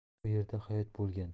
bu yerda hayot bo'lgan